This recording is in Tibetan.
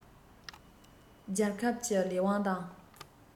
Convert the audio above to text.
རྒྱལ ཁབ ཀྱི ལས དབང དང